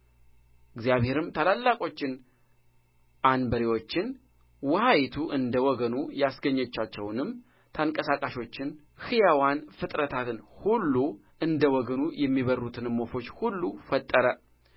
እግዚአብሔርም ታላላቆች አንበሪዎችን ውኃይቱ እንደ ወገኑ ያስገኘቻቸውንም ተንቀሳቃሾቹን ሕያዋን ፍጥረታት ሁሉ እንደ ወገኑ የሚበሩትንም ወፎች ሁሉ ፈጠረ